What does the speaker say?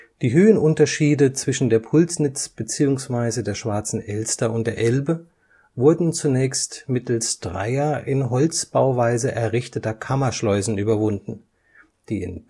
Die Höhenunterschiede zwischen der Pulsnitz beziehungsweise der Schwarzen Elster und der Elbe wurden zunächst mittels dreier in Holzbauweise errichteter Kammerschleusen überwunden, die